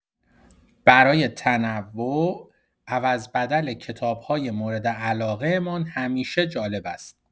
برای تنوع، عوض‌بدل کتاب‌های مورد علاقه‌مان همیشه جالب است.